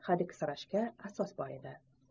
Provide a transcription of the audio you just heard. hadiksirashga asos bor edi